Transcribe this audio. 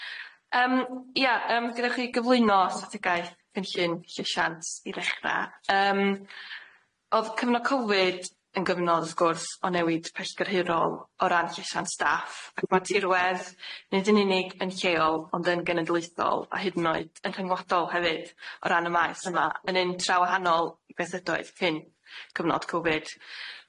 Yym ia. Yym gyda chi gyflwyno strategaeth cynllun llysiant i ddechra, yym o'dd cyfnod Covid yn gyfnod wrth gwrs o newid pellgyrhirol o ran llesiant staff ac ma' tirwedd, nid yn unig yn lleol ond yn genedlaethol a hyd yn oed yn rhyngwladol hefyd o ran y maes yma yn un tra wahanol i bethedoedd cyn cyfnod Covid.